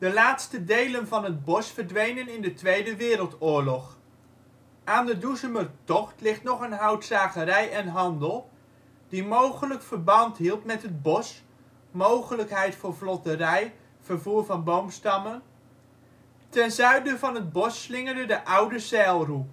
laatste delen van het bos verdwenen in de Tweede Wereldoorlog. Aan de Doezumertocht ligt nog een houtzagerij en - handel (Van der Naald) die mogelijk verband hield met het bos (mogelijkheid voor vlotterij; vervoer van de boomstammen). Ten zuiden van het bos slingerde de Oude Zijlroe